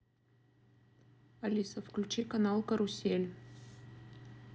алиса включи канал карусель